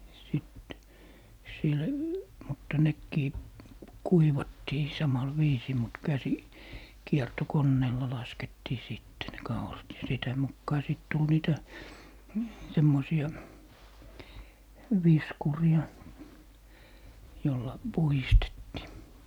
sitten sillä mutta nekin kuivattiin samalla viisiin mutta - käsikiertokoneella laskettiin sitten ne kaurat ja sitä mukaa sitten tuli niitä semmoisia viskureita jolla puhdistettiin